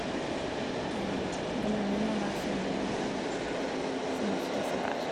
Ei gammel venninne av meg som som gifta seg der.